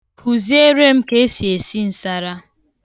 Kụziere m ka e si esi nsara.